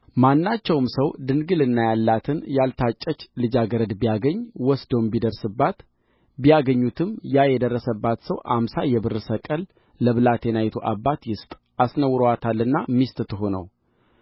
ማናቸውም ሰው ድንግልና ያላትን ያልታጨች ልጃገረድ ቢያገኝ ወስዶም ቢደርስባት ቢያገኙትም ያ የደረሰባት ሰው አምሳ የብር ሰቅል ለብላቴናይቱ አባት ይስጥ አስነውሮአታልና ሚስት ትሁነው